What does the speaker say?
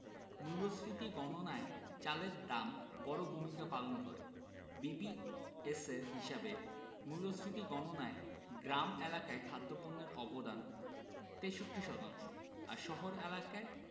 মূল্যস্ফীতি গণনায় চালের দাম বড় ভূমিকা পালন করে বিবিএসের হিসাবে মূল্যস্ফীতি গণনায় গ্রাম এলাকায় খাদ্যপণ্যের অবদান ৬৩ শতাংশ আর শহর এলাকায়